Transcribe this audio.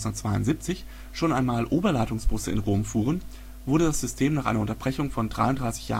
1972 schon einmal Oberleitungsbusse in Rom fuhren, wurde das System nach einer Unterbrechung von 33